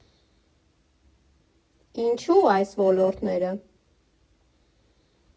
Ինչո՞ւ այս ոլորտները։